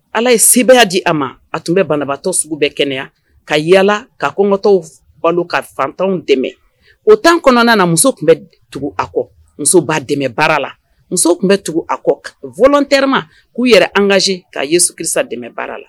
Ala ye sebaya di a ma a tun bɛ banabaatɔ sugu bɛɛ kɛnɛya ka yalala ka kɔngɔtɔw balo ka fantanw dɛmɛ o tan kɔnɔna na muso tun bɛ tugu a kɔ muso ba dɛmɛ bara la muso tun bɛ tugu a kɔ fɔlɔntɛma k'u yɛrɛ an kage k'a ye sukisa dɛmɛ baara la